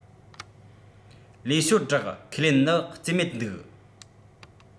ལས ཤོར སྒྲག ཁས ལེན ནི རྩིས མེད འདུག